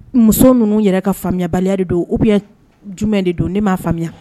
Muso ninnu yɛrɛ ka faamuyaya baliya de don ubi jumɛn de don ne m'a faamuya